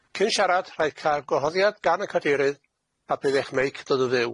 Cyn siarad rhaid cael gwahoddiad gan y cadeirydd, a bydd eich meic yn dod yn fyw.